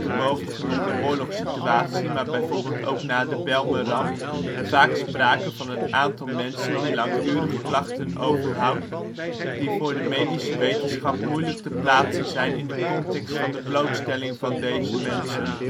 bovengenoemde oorlogssituatie, maar b.v. ook na de Bijlmerramp) vaak sprake van een aantal mensen die langdurig klachten overhoudt die voor de medische wetenschap moeilijk te plaatsen zijn in de context van de blootstelling van deze mensen